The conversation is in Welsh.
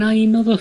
...nine odd o?